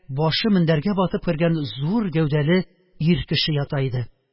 Башы мендәргә батып кергән зур гәүдәле ир кеше ята иде.